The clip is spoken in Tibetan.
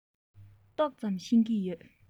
ཏོག ཙམ ཤེས ཀྱི ཡོད